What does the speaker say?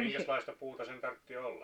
minkäslaista puuta sen tarvitsi olla